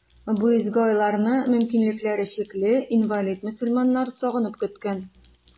Бу изге айларны мөмкинлекләре чикле, инвалид мөселманнар сагынып көткән.